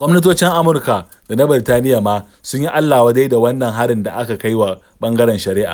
Gwamnatocin Amurka da na Birtaniya ma sun yi allawadai da wannan harin da aka kai wa ɓangaren shari'a.